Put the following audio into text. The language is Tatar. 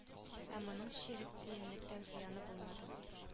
Ә моның чирек тиенлек тә зыяны булмады